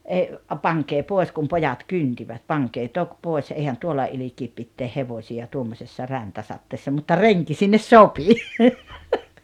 ei pankaa pois kun pojat kyntivät pankaa toki pois eihän tuolla ilkeä pitää hevosia tuommoisessa räntäsateessa mutta renki sinne sopi